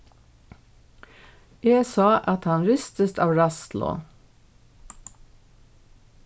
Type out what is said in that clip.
eg sá at hann ristist av ræðslu